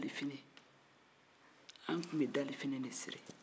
an tun bɛ dalifini de siri